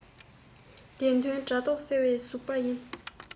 བདེན དོན སྒྲོ འདོག སེལ བའི གཟུ པ ཡིན